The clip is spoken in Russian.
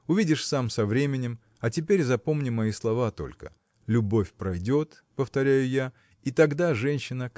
увидишь сам со временем, а теперь запомни мои слова только любовь пройдет повторяю я и тогда женщина